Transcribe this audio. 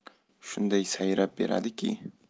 shunday sayrab beradiki